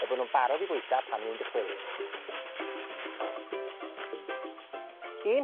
fel bo' nw'n barod i fwyta pan wi'n dychwelyd. Un